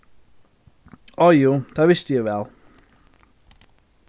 áh jú tað visti eg væl